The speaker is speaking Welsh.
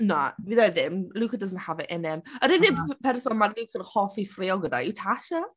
Na bydd e ddim. Luca doesn't have it in him... na ... Yr unig p- person mae Luca'n hoffi ffraeo gyda yw Tasha.